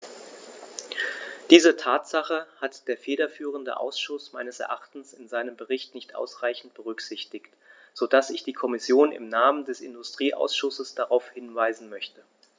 Diese Tatsache hat der federführende Ausschuss meines Erachtens in seinem Bericht nicht ausreichend berücksichtigt, so dass ich die Kommission im Namen des Industrieausschusses darauf hinweisen möchte.